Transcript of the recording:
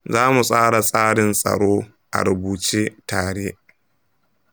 zamu tsara tsarin tsaro a rubuce tare.